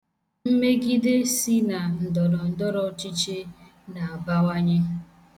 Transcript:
Mmegide si na ndọrọndọrọọchịchị na-abawanye.